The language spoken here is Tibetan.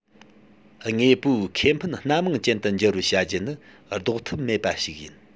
དངོས པོའི ཁེ ཕན སྣ མང ཅན དུ འགྱུར བར བྱ རྒྱུ ནི ལྡོག ཐབས མེད པ ཞིག ཡིན